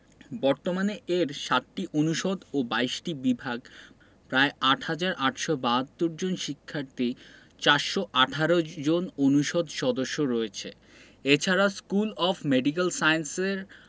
বর্তমানে এর ৭টি অনুষদ ও ২২টি বিভাগ প্রায় ৮ হাজার ৮৭২ জন শিক্ষার্থী ৪১৮ জন অনুষদ সদস্য রয়েছে এছাড়া স্কুল অব মেডিক্যাল সায়েন্সের